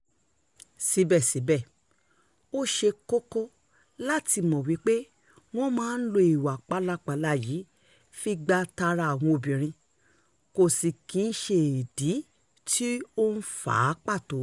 Síbẹ̀síbẹ̀, ó ṣe kókó láti mọ̀ wípé wọn máa ń lo ìwà pálapàla yìí fi gba tara àwọn obìnrin, kò sì kìí ṣe ìdí tí ó ń fà á pàtó.